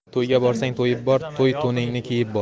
to'yga borsang to'yib bor to'y to'ningni kiyib bor